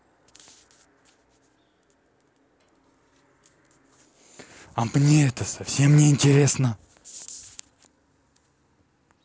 а мне это совсем не интересно